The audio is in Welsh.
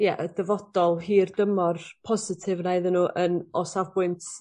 ia yy dyfodol hir dymor positif yna iddyn n'w yn o safbwynt